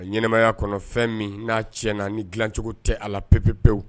Ɲɛnɛmaya kɔnɔ fɛn min n'a ti na ni dilancogo tɛ a la pep pewu